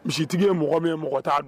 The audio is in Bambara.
Misitigi ye mɔgɔ min mɔgɔ t'a dɔn